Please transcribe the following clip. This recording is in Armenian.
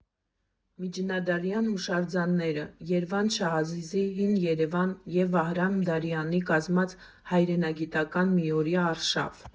Միջնադարյան հուշարձանները», Երվանդ Շահազիզի «Հին Երևան» և Վահրամ Դարյանի կազմած «Հայրենագիտական միօրյա արշավ։